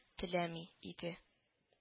Теләми иде